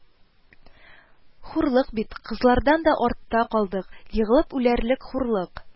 Хурлык бит, кызлардан да артта калдык, егылып үләрлек хурлык